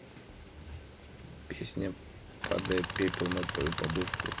песня падает пепел на твою подушку